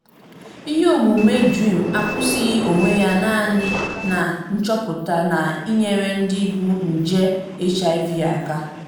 GV: Ihe omume DREAM akwụsịghị onwe ya naanị na nchọpụta na ịnyere ndị bu nje HIV aka.